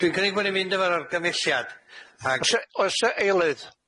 Dwi'n cynnig bo' ni'n mynd efo'r argymhelliad ag... O's 'e- o's 'e eilydd?